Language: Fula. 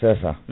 c' est ça